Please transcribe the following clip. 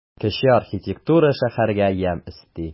Кече архитектура шәһәргә ямь өсти.